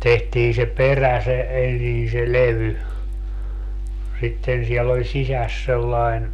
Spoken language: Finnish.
tehtiin se perä se ensin se levy sitten siellä oli sisässä sellainen